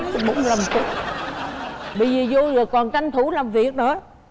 đi dô rồi còn tranh thủ làm việc nữa